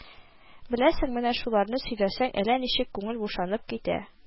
Беләсең, менә шуларны сөйләсәң, әллә ничек күңел бушанып китә